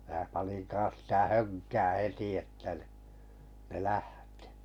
minä panin kanssa sitä hönkää heti että niin ne lähti